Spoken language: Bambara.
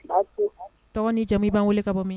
Basi tɛ yen. Tɔgɔ ni jamu? Ib'an weele ka bɔ min?